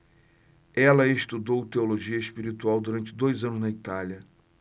ela estudou teologia espiritual durante dois anos na itália